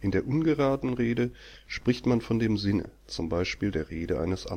der ungeraden Rede spricht man von dem Sinne, z. B. der Rede eines